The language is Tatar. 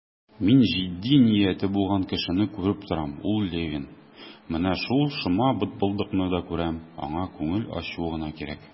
Мин җитди нияте булган кешене күреп торам, ул Левин; менә шул шома бытбылдыкны да күрәм, аңа күңел ачу гына кирәк.